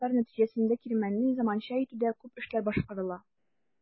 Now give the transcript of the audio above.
Бу карар нәтиҗәсендә кирмәнне заманча итүдә күп эшләр башкарыла.